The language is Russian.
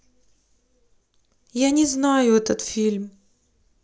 я не знаю этот фильм